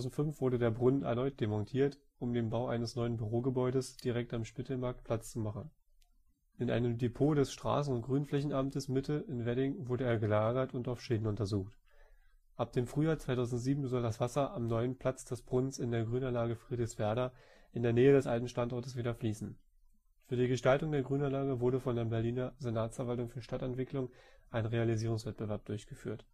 2005 wurde der Brunnen erneut demontiert, um dem Bau eines neuen Bürogebäudes direkt am Spittelmarkt Platz zu machen. In einem Depot des Straßen - und Grünflächenamtes Mitte in Wedding wurde er gelagert und auf Schäden untersucht. Ab dem Frühjahr 2007 soll das Wasser am neuen Platz des Brunnens in der Grünanlage Friedrichswerder in der Nähe des alten Standortes wieder fließen. Für die Gestaltung der Grünanlage wurde von der Berliner Senatsverwaltung für Stadtentwicklung ein Realisierungswettbewerb durchgeführt